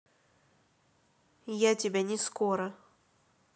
я тебя не скоро